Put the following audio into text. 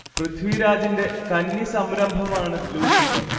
പൃഥ്വീരാജിന്റെ കന്നി സംരംഭമാണ് ലൂസിഫർ